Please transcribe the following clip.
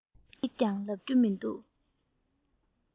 གཅིག ཀྱང ལབ རྒྱུ མི འདུག